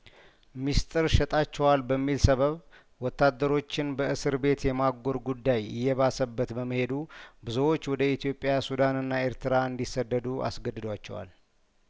ምስጢር ሸጣችኋል በሚል ሰበብ ወታደሮችን በእስር ቤት የማጐር ጉዳይ እየባሰበት በመሄዱ ብዙዎች ወደ ኢትዮጵያ ሱዳንና ኤርትራ እንዲሰደዱ አስገድዷቸዋል